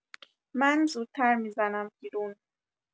من زودتر می‌زنم بیرون